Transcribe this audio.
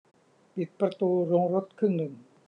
ปิดประตูโรงรถครึ่งหนึ่ง